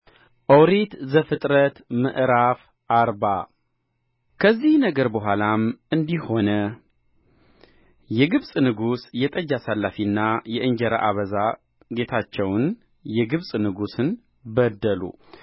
ኦሪት ዘፍጥረት ምዕራፍ አርባ ከዚህ ነገር በኋላም እንዲህ ሆነ የግብፅ ንጉሥ የጠጅ አሳላፊና የእንጀራ አበዛ ጌታቸውን የግብፅ ንጉሥን በደሉ